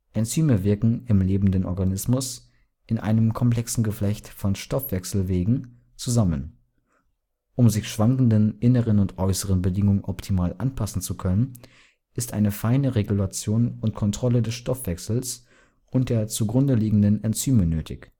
Enzyme wirken im lebenden Organismus in einem komplexen Geflecht von Stoffwechselwegen zusammen. Um sich schwankenden inneren und äußeren Bedingungen optimal anpassen zu können, ist eine feine Regulation und Kontrolle des Stoffwechsels und der zugrundeliegenden Enzyme nötig